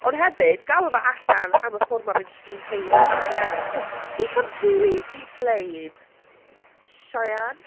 Ond hefyd, galw fe allan am y ffordd mae fe'n trîn Paige a merched eraill, cause he completely played Cheyanne?